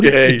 eyyi